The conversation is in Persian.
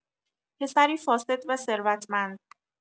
پسری فاسد و ثروتمند